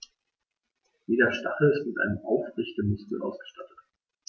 Jeder Stachel ist mit einem Aufrichtemuskel ausgestattet.